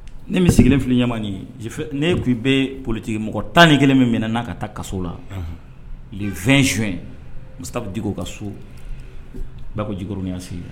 Ne bɛ sigilen fili ɲamamani ye ne tun bɛ politigi mɔgɔ tan ni kelen min minɛ n'a ka taa kaso la fɛn son mu bɛ di ka so' ko jikourunya sigi